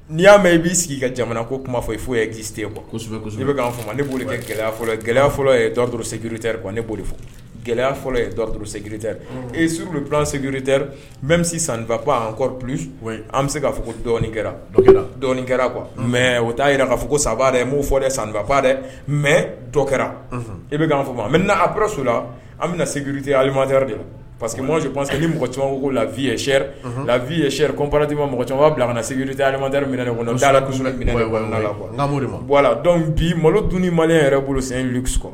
N'i'a mɛn i b'i sigi ka jamana ko kuma fɔ i'o ye jitesɛbɛ e bɛ'a fɔ ne boli gɛlɛya fɔlɔ gɛlɛya fɔlɔ dɔrɔnri ne boli fɔ gɛlɛya fɔlɔg e suru seg mɛ misi sanfa an bɛ se kaa fɔ kɛra kɛra qu kuwa mɛ o t taa jira k kaa fɔ ko saba dɛ m'o fɔ dɛ sanfa dɛ mɛ dɔ kɛra e bɛ' fɔ ma mɛ apso la an bɛ nate alijari de la pa quesi mɔgɔ caman ko laiyeri la viye sɛri koti ma mɔgɔ caman b' bila a nateri minɛ la dɔn bi malo dun mali yɛrɛ bolo sen kɔ